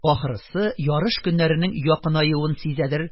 Ахрысы, ярыш көннәренең якынаюын сизәдер,